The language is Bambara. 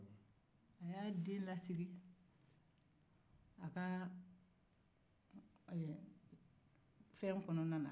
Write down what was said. a y'a den lasigi a ka ɛɛ fɛn kɔnɔna na